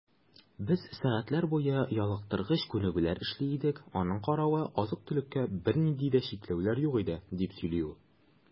Без сәгатьләр буе ялыктыргыч күнегүләр эшли идек, аның каравы, азык-төлеккә бернинди дә чикләүләр юк иде, - дип сөйли ул.